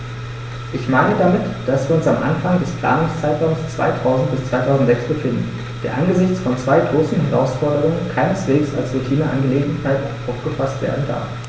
Ich meine damit, dass wir uns am Anfang des Planungszeitraums 2000-2006 befinden, der angesichts von zwei großen Herausforderungen keineswegs als Routineangelegenheit aufgefaßt werden darf.